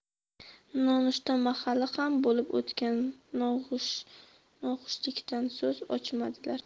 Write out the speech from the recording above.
nonushta mahali ham bo'lib o'tgan noxushlikdan so'z ochmadilar